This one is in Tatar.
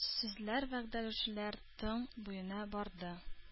Сүзләр, вәгъдәләшүләр төн буена барды.